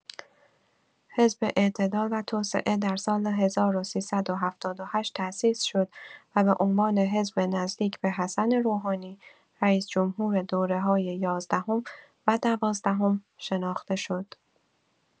حزب اعتدال و توسعه در سال ۱۳۷۸ تأسیس شد و به عنوان حزب نزدیک به حسن روحانی، رئیس‌جمهور دوره‌های یازدهم و دوازدهم شناخته شد.